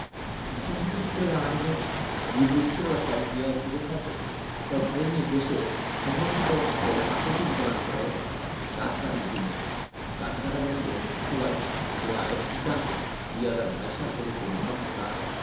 সংশ্লিষ্ট সূত্রে জানা গেছে জীববৈচিত্র্য রক্ষায় ২০১৬ সাল থেকে সরকারি নির্দেশে সংরক্ষিত ও প্রাকৃতিক বনাঞ্চলের গাছ কাটা নিষিদ্ধ গাছ কাটা বন্ধে মন্ত্রিসভায় নেয়া এই সিদ্ধান্ত ২০২২ সাল পর্যন্ত বহাল থাকায়